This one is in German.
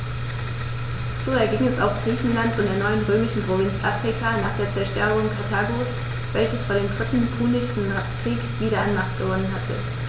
So erging es auch Griechenland und der neuen römischen Provinz Afrika nach der Zerstörung Karthagos, welches vor dem Dritten Punischen Krieg wieder an Macht gewonnen hatte.